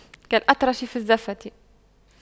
كالأطرش في الزَّفَّة